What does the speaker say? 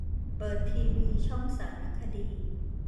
เปิดทีวีช่องสารคดี